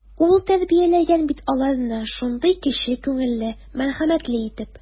Ул тәрбияләгән бит аларны шундый кече күңелле, мәрхәмәтле итеп.